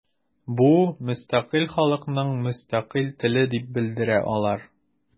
Бу – мөстәкыйль халыкның мөстәкыйль теле дип белдерә алар.